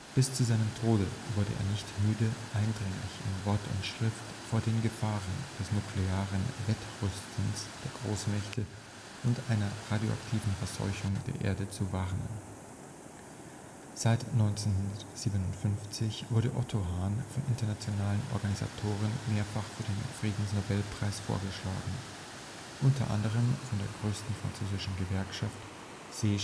Bis zu seinem Tode wurde er nicht müde, eindringlich in Wort und Schrift vor den Gefahren des nuklearen Wettrüstens der Großmächte und einer radioaktiven Verseuchung der Erde zu warnen. Seit 1957 wurde Otto Hahn von internationalen Organisationen mehrfach für den Friedensnobelpreis vorgeschlagen (u. a. von der größten französischen Gewerkschaft CGT